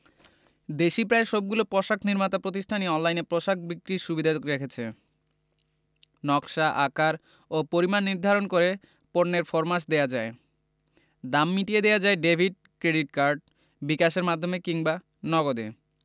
দেশি প্রায় সবগুলো পোশাক নির্মাতা প্রতিষ্ঠানই অনলাইনে পোশাক বিক্রির সুবিধা রেখেছে নকশা আকার ও পরিমাণ নির্ধারণ করে পণ্যের ফরমাশ দেওয়া যায় দাম মিটিয়ে দেওয়া যায় ডেভিড ক্রেডিট কার্ড বিকাশের মাধ্যমে কিংবা নগদে